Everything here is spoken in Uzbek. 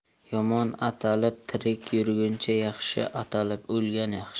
yomon atalib tirik yurguncha yaxshi atalib o'lgan yaxshi